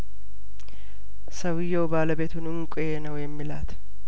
ሰውዬው ባለቤቱን እንቋ ነው የሚላት